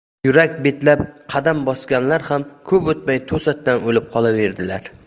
yurak betlab qadam bosganlar ham ko'p o'tmay to'satdan o'lib qolaverdilar